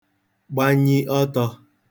gbanyi ọtọ̄